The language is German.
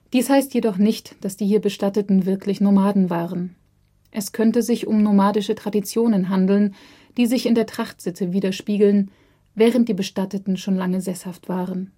Dies heißt jedoch nicht, dass die hier Bestatteten wirklich Nomaden waren. Es können sich um nomadische Traditionen handeln, die sich in der Trachtsitte widerspiegeln, während die Bestatteten schon lange sesshaft waren